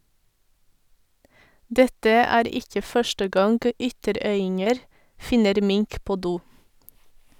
Dette er ikke første gang ytterøyinger finner mink på do.